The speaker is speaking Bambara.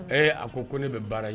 Ee a ko ne bɛ baara ye